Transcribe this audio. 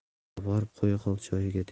oborib qo'ya qol joyiga